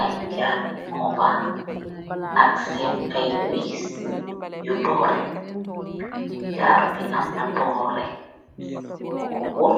Ayy jaru bopa ak senn ay wiss yu doreh, jaru bi am naa doreh buko worr